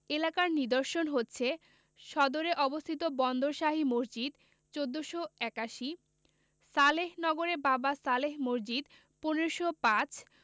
এলাকার নিদর্শন হচ্ছে সদরে অবস্থিত বন্দর শাহী মসজিদ ১৪৮১ সালেহ নগরে বাবা সালেহ মসজিদ ১৫০৫